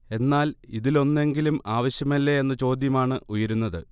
എന്നാൽ ഇതിലൊന്നെങ്കിലും ആവശ്യമല്ലേ എന്ന ചോദ്യമാണ് ഉയരുന്നത്